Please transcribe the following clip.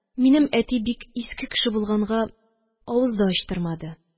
Минем әти, бик иске кеше булганга, авыз да ачтырмады